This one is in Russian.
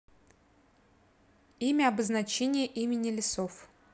имя обозначение имени лесов